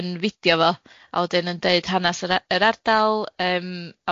yn fidio fo, a wedyn yn deud hanes yr a- yr ardal yym